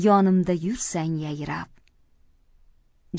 yonimda yursang yayrab